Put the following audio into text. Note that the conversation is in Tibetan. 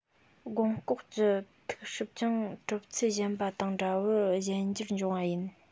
སྒོང ལྐོགས ཀྱི མཐུག སྲབ ཀྱང གྲུབ ཚུལ གཞན པ དང འདྲ བར གཞན འགྱུར འབྱུང བ ཡིན